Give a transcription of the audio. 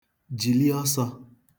jìli ọsọ̄